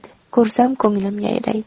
ko'rsam ko'nglim yayraydi